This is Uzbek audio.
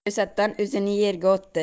to'satdan o'zini yerga otdi